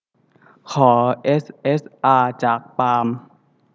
ขอเอสเอสอาจากปาล์ม